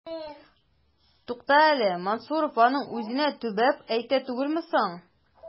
Тукта әле, Мансуров аның үзенә төбәп әйтә түгелме соң? ..